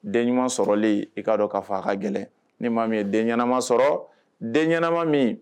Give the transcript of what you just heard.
Den ɲuman sɔrɔlen i'a dɔn ka fa ka gɛlɛn ni maa min ye den ɲɛnama sɔrɔ den ɲɛnaanama min